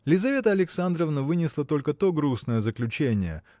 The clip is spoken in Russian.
Лизавета Александровна вынесла только то грустное заключение